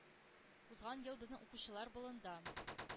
– узган ел безнең укучылар болында